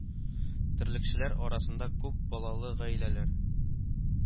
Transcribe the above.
Терлекчеләр арасында күп балалы гаиләләр